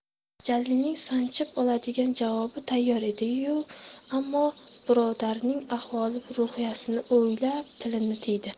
jalilning sanchib oladigan javobi tayyor edi ku ammo birodarining ahvol ruhiyasini o'ylab tilini tiydi